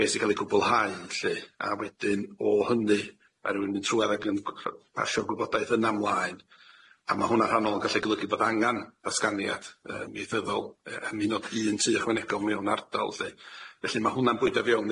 beth sy'n ca'l ei gwblhau felly a wedyn o hynny ma' rywun yn trwad ag yn gw- cro- pasio'r gwybodaeth yna mlaen a ma' hwnna'n rhannol yn gallu golygu bod angan y datganiad yy ieithyddol yy yn un o un tu ychwanegol mewn ardal lly felly ma' hwnna'n bwydo fewn